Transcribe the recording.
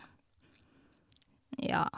Ja.